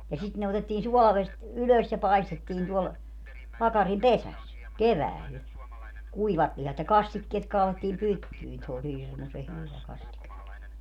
ja sitten ne otettiin suolavedestä ylös ja paistettiin tuolla pakarin pesässä keväällä kuivat lihat ja kastikkeet kaadettiin pyttyihin se oli hirmuisen hyvä kastike